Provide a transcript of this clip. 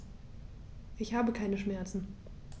Ich habe keine Schmerzen.